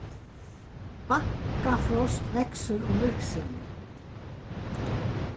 bakkafrost veksur um virksemið